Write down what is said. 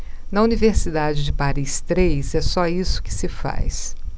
na universidade de paris três é só isso que se faz